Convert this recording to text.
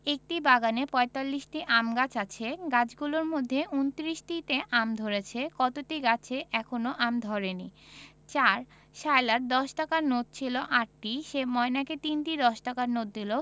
একটি বাগানে ৪৫টি আম গাছ আছে গাছগুলোর মধ্যে ২৯টিতে আম ধরেছে কতটি গাছে এখনও আম ধরেনি ৪ সায়লার দশ টাকার নোট ছিল ৮টি সে ময়নাকে ৩টি দশ টাকার নোট দিল